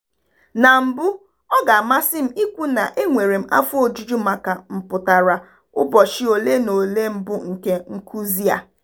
Na mbụ, ọ ga-amasị m ikwu na enwere m afọ ojuju maka mpụtara ụbọchị ole na ole mbụ nke nkụzi a.